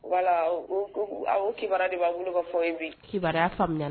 Wala kiba de b'a bolo ka fɔ in bi kibaruya faamuya